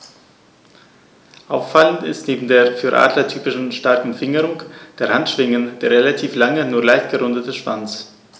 Auffallend ist neben der für Adler typischen starken Fingerung der Handschwingen der relativ lange, nur leicht gerundete Schwanz.